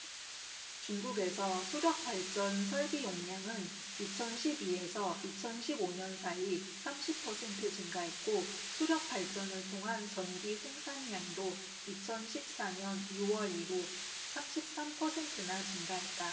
중국에서 수력발전 설비 용량은 이천 십 이 에서 이천 십 오 년 사이 삼십 퍼센트 증가했고 수력발전을 통한 전기 생산량도 이천 십 사 년 유 월 이후 삼십 삼 퍼센트나 증가했다